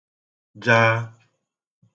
jaā